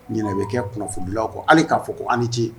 Ɲ bɛ kɛ kunnafoni kɔ hali k'a fɔ ko ani ce